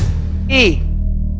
i